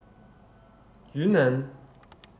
ཡུན ནན